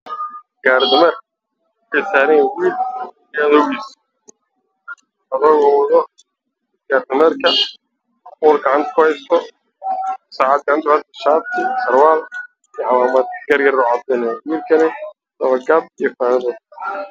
Waa nin oday oo wadi gaari dameer